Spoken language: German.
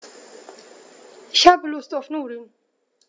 Ich habe Lust auf Nudeln.